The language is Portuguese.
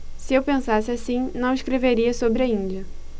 se eu pensasse assim não escreveria sobre a índia